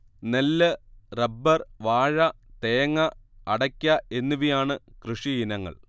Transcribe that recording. നെല്ല്, റബ്ബർ, വാഴ തേങ്ങ, അടയ്ക്ക എന്നിവയാണ് കൃഷിയിനങ്ങൾ